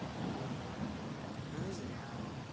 ну и зря